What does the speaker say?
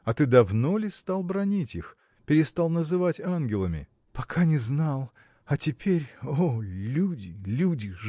А ты давно ли стал бранить их, перестал называть ангелами? – Пока не знал, а теперь. о люди, люди!